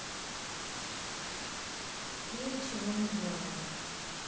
ты ничего не знаю